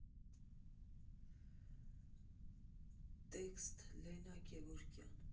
Տեքստ՝ Լենա Գևորգյան։